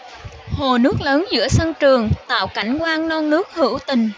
hồ nước lớn giữa sân trường tạo cảnh quan non nước hữu tình